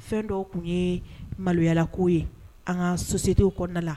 Fɛn dɔ tun ye maloyala ko ye an ka soso sete kɔnɔna la